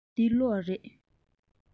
འདི གློག རེད